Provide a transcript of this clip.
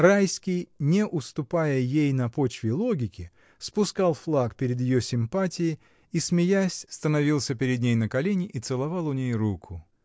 Райский, не уступая ей на почве логики, спускал флаг перед ее симпатией и, смеясь, становился перед ней на колени и целовал у ней руку.